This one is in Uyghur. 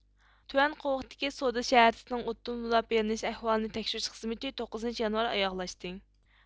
تۆۋەن قوۋۇقتىكى سودا شەھەرچىسىنىڭ ئوتتىن مۇداپىئەلىنىش ئەھۋالىنى تەكشۈرۈش خىزمىتى توققۇزىنچى يانۋار ئاياغلاشتى